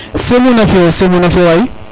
Semou nam fio Semou na fio waay